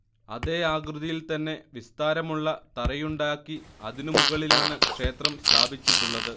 അതേ ആകൃതിയിൽ തന്നെ വിസ്താരമുള്ള തറയുണ്ടക്കി അതിനു മുകളിലാണ് ക്ഷേത്രം സ്ഥാപിച്ചിട്ടുള്ളത്